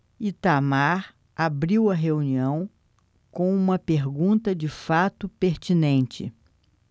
itamar abriu a reunião com uma pergunta de fato pertinente